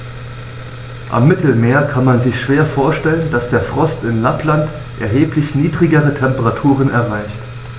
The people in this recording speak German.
Am Mittelmeer kann man sich schwer vorstellen, dass der Frost in Lappland erheblich niedrigere Temperaturen erreicht.